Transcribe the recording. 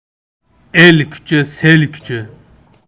el kuchi sel kuchi